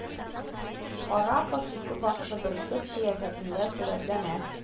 Каракош ике башлы бөркет кыяфәтендә сурәтләнә.